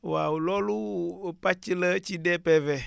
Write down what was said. waaw loolu pàcc la ci DPV